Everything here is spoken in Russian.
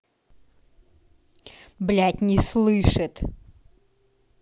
блять на слышит